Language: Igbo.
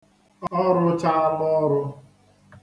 Ọ rụchaala ọrụ.